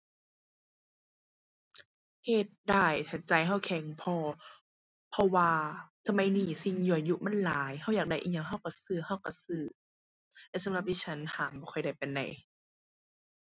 เฮ็ดได้ถ้าใจเราแข็งพอ เพราะว่าสมัยนี้สิ่งยั่วยุมันหลาย เราอยากได้อิหยัง เราเราซื้อ เราเราซื้อ แต่สำหรับดิฉันห้ามบ่ค่อยได้ปานใด